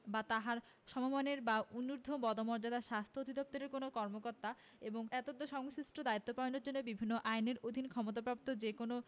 বা তাঁহার সমমানের বা তদূর্ধ্ব পদমর্যাদার স্বাস্থ্য অধিদপ্তরের কোন কর্মকর্তা এবং এতদ্সংশ্লিষ্ট দায়িত্ব পালনের জন্য বিভিন্ন আইনের অধীন ক্ষমতাপ্রাপ্ত যে কোন